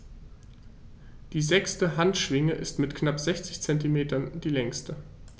Die sechste Handschwinge ist mit knapp 60 cm die längste.